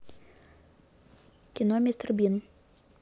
кино мистер бин